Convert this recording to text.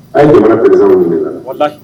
A ye jamana kɛmɛsa minɛ na